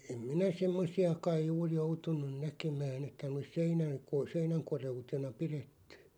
- en minä semmoisia kai juuri joutunut näkemään että ne olisi seinän - seinän koreutena pidetty